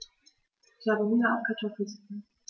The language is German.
Ich habe Hunger auf Kartoffelsuppe.